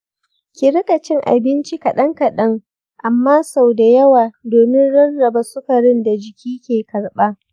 ki riƙa cin abinci kaɗan kaɗan amma sau da yawa domin rarraba sukarin da jiki ke karɓa.